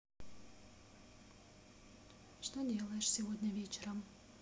что делаешь сегодня вечером